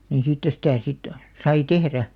niin siitä sitä sitten sai tehdä